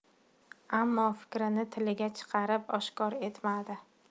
ammo fikrini tiliga chiqarib oshkor etmadi